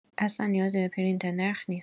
اصلا نیازی به پرینت نرخ نیست